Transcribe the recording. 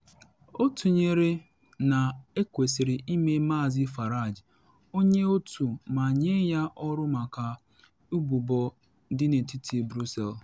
Ọ tụnyere na ekwesịrị ịme Maazị Farage onye otu ma nye ya ọrụ maka ụbụbọ dị n’etiti Brussels.